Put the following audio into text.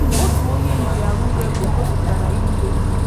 Otu onye njiarụ Weibo gosipụtara iwe: